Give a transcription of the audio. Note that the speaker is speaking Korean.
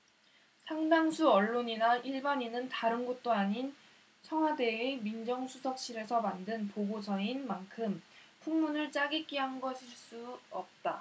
상당수 언론이나 일반인은다른 곳도 아닌 청와대의 민정수석실에서 만든 보고서인 만큼 풍문을 짜깁기한 것일 수 없다